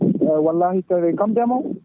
eyyi wallahi koye kam ndeemowo